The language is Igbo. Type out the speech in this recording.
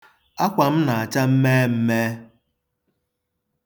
Akwa m na-acha mmeemmee.